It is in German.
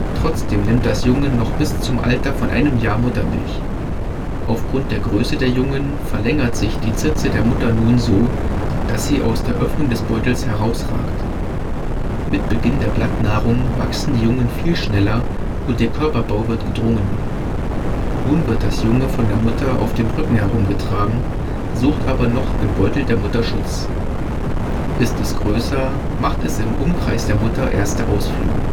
Trotzdem nimmt das Junge noch bis zum Alter von einem Jahr Muttermilch. Auf Grund der Größe der Jungen verlängert sich die Zitze der Mutter nun so, dass sie aus der Öffnung des Beutels herausragt. Mit Beginn der Blattnahrung wachsen die Jungen viel schneller und ihr Körperbau wird gedrungener. Nun wird das Junge von der Mutter auf dem Rücken herumgetragen, sucht aber noch im Beutel der Mutter Schutz. Ist es größer, macht es im Umkreis der Mutter erste Ausflüge